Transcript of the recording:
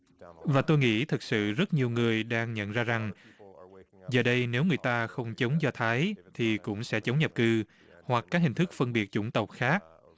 và tôi nghĩ thực sự rất nhiều người đang nhận ra rằng giờ đây nếu người ta không chống do thái thì cũng sẽ chống nhập cư hoặc các hình thức phân biệt chủng tộc khác